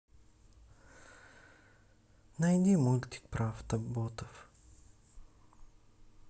найди мультик про автоботов